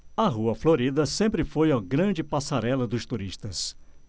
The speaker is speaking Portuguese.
a rua florida sempre foi a grande passarela dos turistas